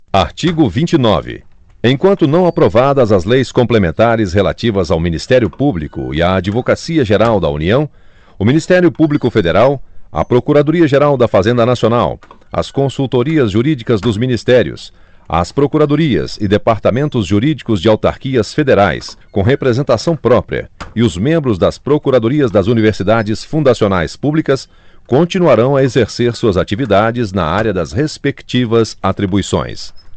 artigo vinte e nove enquanto não aprovadas as leis complementares relativas ao ministério público e à advocacia geral da união o ministério público federal a procuradoria geral da fazenda nacional as consultorias jurídicas dos ministérios as procuradorias e departamentos jurídicos de autarquias federais com representação própria e os membros das procuradorias das universidades fundacionais públicas continuarão a exercer suas atividades na área das respectivas atribuições